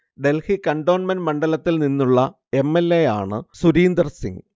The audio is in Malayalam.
ഡൽഹി കണ്ടോൺമെന്ര് മണ്ഡലത്തിൽ നിന്നുള്ള എം. എൽ. എ യാണ് സരീന്ദർ സിങ്